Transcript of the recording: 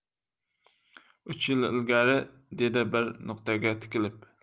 uch yil ilgari dedi bir nuqtaga tikilib